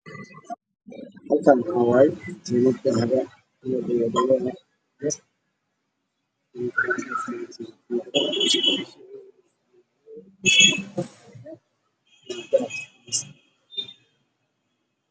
Meeshan waxaa ka muuqda dahab dahab baa saaran meesha